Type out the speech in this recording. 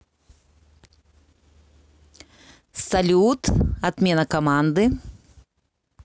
салют отмена команды